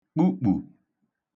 kpukpù